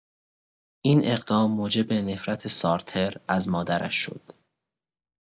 این اقدام موجب نفرت سارتر از مادرش شد.